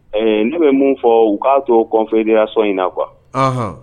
Ɛɛ ne bɛ mun fɔ u k'a to kɔnfiere sɔn in na qu